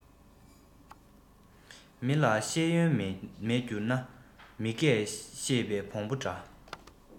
མི ལ ཤེས ཡོན མེད འགྱུར ན མི སྐད ཤེས པའི བོང བུ འདྲ